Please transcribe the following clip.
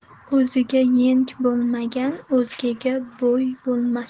o'ziga yeng bo'lmagan o'zgaga bo'y bo'lmas